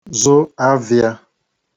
zụ avịā